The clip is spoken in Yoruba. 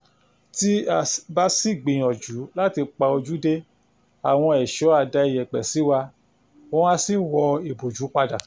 Tí a bá sì gbìyànjú láti pa ojú dé, àwọn ẹ̀ṣọ́ á da iyẹ̀pẹ̀ sí wa. Wọ́n á sì wọ ìbòjú padà.